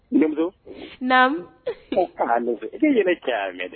'' e yɛrɛ caya mɛn dɛ